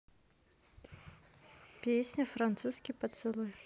песня французский поцелуй